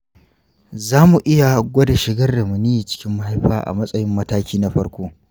za mu iya gwada shigar da maniyyi cikin mahaifa a matsayin mataki na farko.